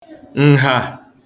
ǹhà